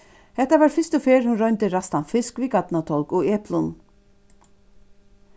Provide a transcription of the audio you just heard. hetta var fyrstu ferð hon royndi ræstan fisk við garnatálg og eplum